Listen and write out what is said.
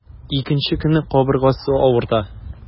Икенче көнне кабыргасы авырта.